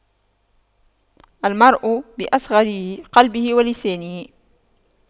المرء بأصغريه قلبه ولسانه